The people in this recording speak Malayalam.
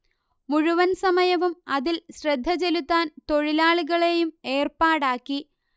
മുഴുവൻ സമയവും അതിൽ ശ്രദ്ധചെലുത്താൻ തൊഴിലാളികളെയും ഏർപ്പാടാക്കി